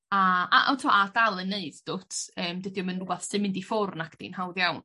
a a on' t'mo' a dal yn neud dw't? Yym dydy o'm yn wbath sy'n mynd i ffwr' nacdi'n hawdd iawn.